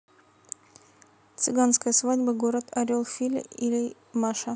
цыганская свадьба город орел фили и маша